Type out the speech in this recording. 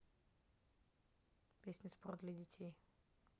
песня спорт для детей